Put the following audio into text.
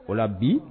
O la bi